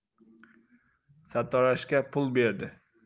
sartaroshga pul berdi